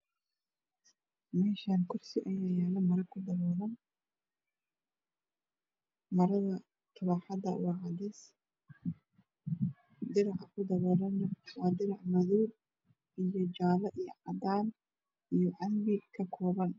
Meeshaan kursi ayaa yaalo maro kudaboolan marada taraaxada waa cadeys , diraca ku daboolana waa dirac madow iyo jaale, cadaan iyo cambe ka kooban.